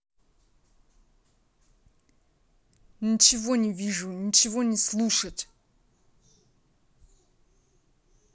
ничего не вижу ничего не слушать